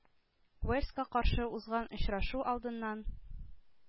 Уэльска каршы узган очрашу алдыннан